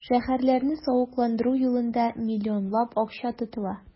Шәһәрләрне савыкландыру юлында миллионлап акча тотыла.